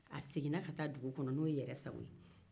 yɛrɛsago seginna ka taa dugu kɔnɔ